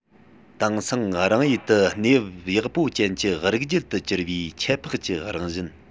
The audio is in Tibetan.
དེང སང རང ཡུལ དུ གནས བབ ཡག པོ ཅན གྱི རིགས རྒྱུད དུ གྱུར པའི ཁྱད འཕགས ཀྱི རང བཞིན